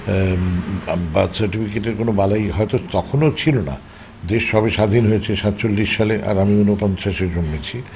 birth সার্টিফিকেটের কোন বালাই হয়তো তখনও ছিল না দেশ সবে স্বাধীন হয়েছে ৪৭ এ আর আমি ৪৯ এ জন্মেছি